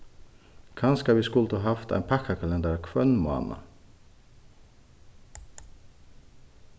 kanska vit skuldu havt ein pakkakalendara hvønn mánað